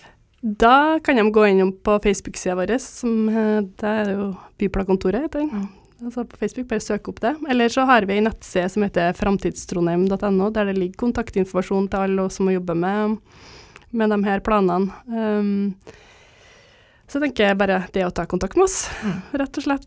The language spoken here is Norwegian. da kan dem gå innom på Facebook-sida vår som heter da er det jo Byplankontoret heter den altså på Facebook bare søke opp det eller så har vi nettside som heter framtidstrondheim dott N O der det ligger kontaktinformasjon til alle oss som jobber med med dem her planene så tenker jeg bare det å ta kontakt med oss rett og slett.